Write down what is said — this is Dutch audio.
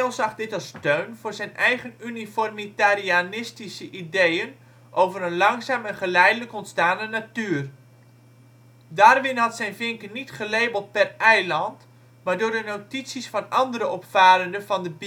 zag dit als steun voor zijn eigen uniformitarianistische ideeën over een langzaam en geleidelijk ontstane natuur. Darwin had zijn vinken niet gelabeld per eiland, maar door de notities van andere opvarenden van de